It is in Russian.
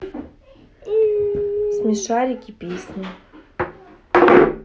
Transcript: смешарики песни